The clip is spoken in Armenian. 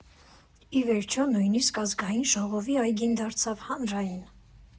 Ի վերջո, նույնիսկ Ազգային ժողովի այգին դարձավ հանրային։